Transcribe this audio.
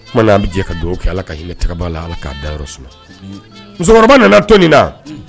An bɛ ka dugawu kɛ ala ka hinɛ tɛgɛba la ala ka dayɔrɔ suma musokɔrɔba nana to nin na